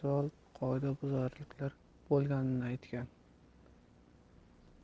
ko'p protsessual qoidabuzarliklar bo'lganini aytgan